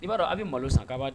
I b'a dɔn a bɛ malo san k'a b'a